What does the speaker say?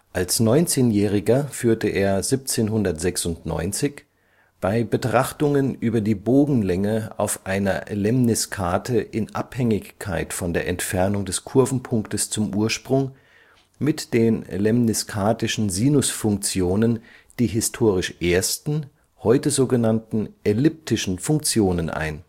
Als 19-Jähriger führte er 1796, bei Betrachtungen über die Bogenlänge auf einer Lemniskate in Abhängigkeit von der Entfernung des Kurvenpunktes zum Ursprung, mit den lemniskatischen Sinusfunktionen die historisch ersten, heute so genannten elliptischen Funktionen ein